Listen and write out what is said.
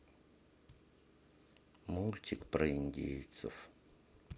мультик про индейцев